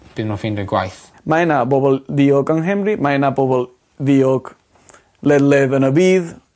by n'w ffeindio gwaith. Mae 'na bobol diog yn Nghemru mae 'na bobol ddiog ledledd yn y bydd